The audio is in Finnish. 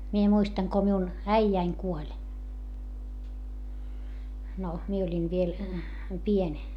minä muistan kun minun äijäni kuoli no minä olin vielä pieni